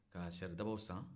ka saridabaw san